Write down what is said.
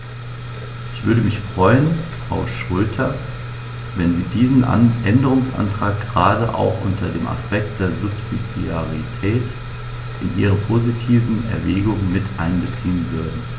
Ich würde mich freuen, Frau Schroedter, wenn Sie diesen Änderungsantrag gerade auch unter dem Aspekt der Subsidiarität in Ihre positiven Erwägungen mit einbeziehen würden.